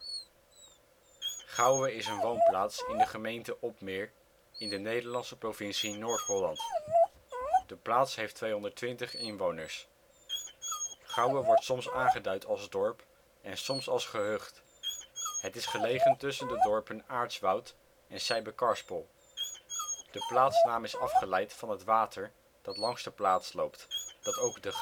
Gouwe is een woonplaats in de gemeente Opmeer, in de Nederlandse provincie Noord-Holland. De plaats heeft 220 inwoners (2004). Gouwe wordt soms aangeduid als dorp en soms als gehucht. Het is gelegen tussen de dorpen Aartswoud en Sijbekarspel. De plaatsnaam is afgeleid van het water dat langs de plaats loopt, dat ook de